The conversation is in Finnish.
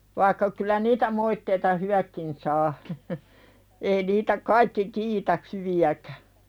vaikka kyllä niitä moitteita hyvätkin saa ei niitä kaikki kiitä hyviäkään